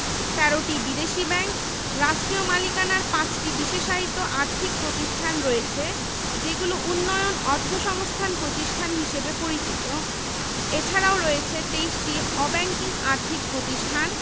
দেশের বাইরে থেকে ভূ পৃষ্ঠস্থ জলপ্রবাহ অনুপ্রবেশের পরিমাণ বৎসরের বিভিন্ন সময়ে বিভিন্ন হয়ে থাকে সারা বৎসরের সর্বোচ্চ প্রবাহ থাকে